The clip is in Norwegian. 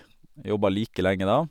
Jobba like lenge da.